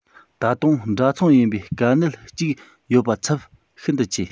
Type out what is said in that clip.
ད དུང འདྲ མཚུངས ཡིན པའི དཀའ གནད ཅིག ཡོད པ ཚབ ཤིན ཏུ ཆེ